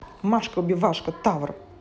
машка убивашка тавр